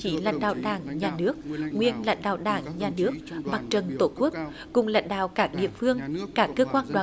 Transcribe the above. chí lãnh đạo đảng nhà nước nguyên lãnh đạo đảng nhà nước mặt trận tổ quốc cùng lãnh đạo các địa phương các cơ quan đoàn